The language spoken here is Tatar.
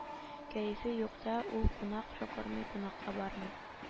Кәефе юкта ул кунак чакырмый кунакка бармый